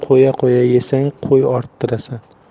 qo'ya qo'ya yesang qo'y orttirasan